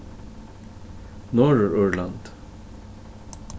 norðurírland